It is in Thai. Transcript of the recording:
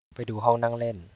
ไปดูห้องนั่งเล่น